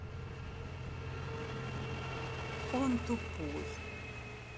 он тупой